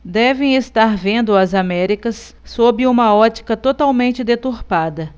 devem estar vendo as américas sob uma ótica totalmente deturpada